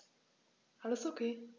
Alles OK.